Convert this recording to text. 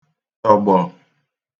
tọ̀gbọ̀